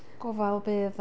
gofal bydd a...